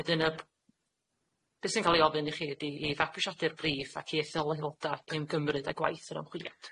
Wedyn y b- be' sy'n ca'l 'i ofyn i chi ydi i fabwysiadu'r briff ac i ethol aeloda' i ymgymryd â gwaith yr ymchwiliad.